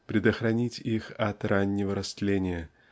предохранить их от раннего растления